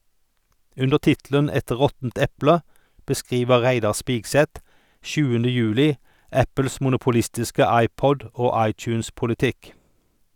Under tittelen "Et råttent eple" beskriver Reidar Spigseth 7. juli Apples monopolistiske iPod- og iTunes-politikk.